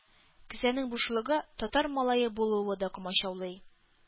Кесәнең бушлыгы, татар малае булуы да комачаулый.